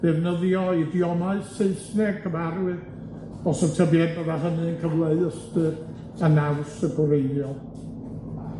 defnyddio idiomau Saesneg cyfarwydd, os y tybied bydda hynny'n cyfleu ystyr a naws y gwreiddiol.